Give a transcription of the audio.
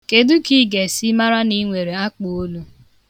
Kedu ka ị ga-esi mara na ị nwere akpụolu?